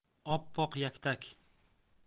oppoq yaktak